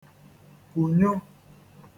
kùnyu ̣